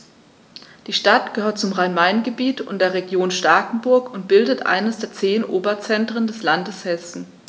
Die Stadt gehört zum Rhein-Main-Gebiet und der Region Starkenburg und bildet eines der zehn Oberzentren des Landes Hessen.